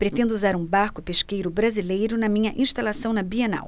pretendo usar um barco pesqueiro brasileiro na minha instalação na bienal